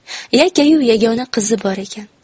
yakkayu yagona qizi bor ekan